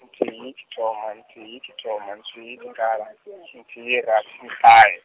nthihi tshithoma nthihi tshithoma nthihi tshikhala, nthihi rathi ṱahe.